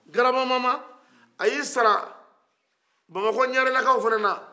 garaba mama a y'i sara bamakɔ ɲarelakaw fɛnɛ la